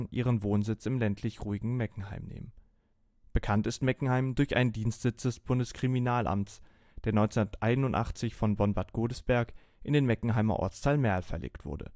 ihren Wohnsitz im ländlich-ruhigen Meckenheim nahmen. Bekannt ist Meckenheim durch einen Dienstsitz des Bundeskriminalamts, der 1981 von Bonn-Bad Godesberg in den Meckenheimer Ortsteil Merl verlegt wurde